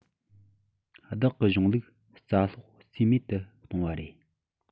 བདག གི གཞུང ལུགས རྩ སློག རྩིས མེད དུ གཏོང བ རེད